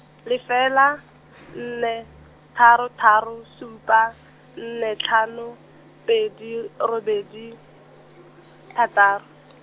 lefela , nne, tharo tharo, supa, nne tlhano, pedi, robedi, thataro .